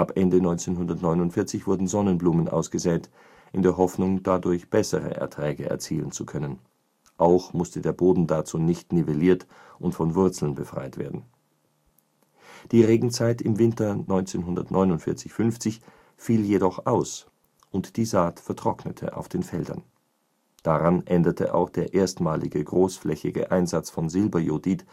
Ende 1949 wurden Sonnenblumen ausgesät, in der Hoffnung, dadurch bessere Erträge erzielen zu können. Auch musste der Boden dazu nicht nivelliert und von Wurzeln befreit werden. Die Regenzeit im Winter 1949 / 50 fiel jedoch aus und die Saat vertrocknete auf den Feldern. Daran änderte auch der erstmalige großflächige Einsatz von Silberjodid